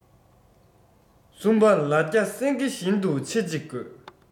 གསུམ པ ལ རྒྱ སེང གེ བཞིན དུ ཆེ གཅིག དགོས